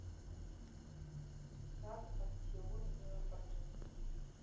карт от xiaomi и lamborghini